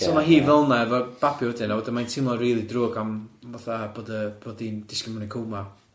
So ma' hi fel 'na efo'r babi wedyn a wedyn mae'n teimlo'n rili drwg am fatha bod yy bod hi'n disgyn mewn i coma.